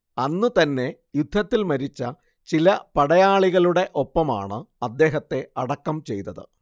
അന്നു തന്നെ യുദ്ധത്തിൽ മരിച്ച ചില പടയാളികളുടെ ഒപ്പമാണ് അദ്ദേഹത്തെ അടക്കം ചെയ്തത്